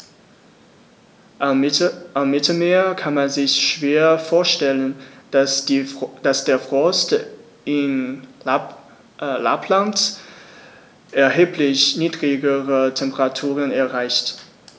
Am Mittelmeer kann man sich schwer vorstellen, dass der Frost in Lappland erheblich niedrigere Temperaturen erreicht.